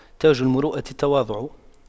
تاج المروءة التواضع